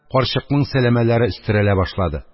Карчыкның сәләмәләре өстерәлә башлады.